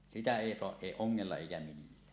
sitä ei saa ei ongella eikä millään